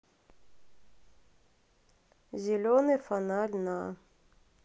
зеленый фонарь на